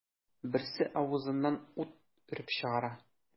Берсе авызыннан ут өреп чыгара.